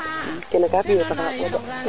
te ɓana nuun nu ngoox ne refa probleme na ten aussi